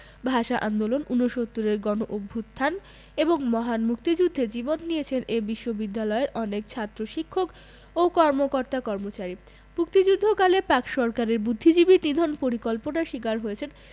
ভাষা আন্দোলন উনসত্তুরের গণঅভ্যুত্থান এবং মহান মুক্তিযুদ্ধে জীবন দিয়েছেন এ বিশ্ববিদ্যালয়ের অনেক ছাত্র শিক্ষক ও কর্মকর্তা কর্মচারী মুক্তিযুদ্ধকালে পাক সরকারের বুদ্ধিজীবী নিধন পরিকল্পনার শিকার হয়েছেন